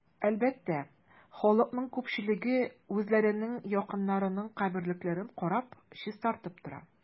Әлбәттә, халыкның күпчелеге үзләренең якыннарының каберлекләрен карап, чистартып тора.